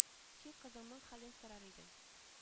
Син кызыңның хәлен сорар идең